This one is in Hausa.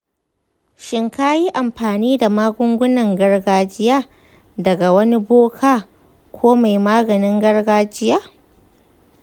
shin ka yi amfani da magungunan gargajiya daga wani boka ko mai maganin gargajiya?